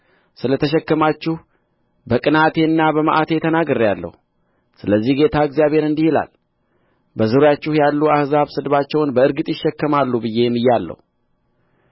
ስለ ተሸከማችሁ በቅንዓቴና በመዓቴ ተናግሬአለሁ ስለዚህ ጌታ እግዚአብሔር እንዲህ ይላል በዙሪያችሁ ያሉ አሕዛብ ስድባቸውን በእርግጥ ይሸከማሉ ብዬ ምያለሁ